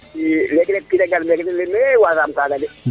i leeg leeg o kiina gar mene im leye e wasaam kaga de